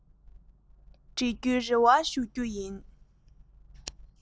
འབྲི རྒྱུའི རེ བ ཞུ རྒྱུ ཡིན